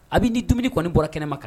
Habi ni dumuni kɔni bɔra kɛnɛma ka